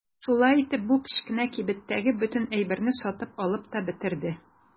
Шулай итеп бу кечкенә кибеттәге бөтен әйберне сатып алып та бетерде.